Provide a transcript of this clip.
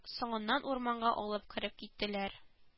Соңыннан урманга алып кереп китәләр